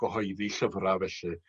gyhoeddi llyfra felly.